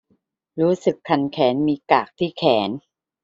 รู้สึกคันแขนมีกลากที่แขน